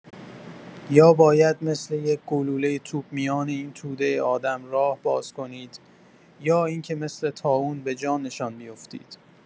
یا باید مثل یک گلوله توپ میان این توده آدم راه باز کنید، یا این که مثل طاعون به جان‌شان بیفتید.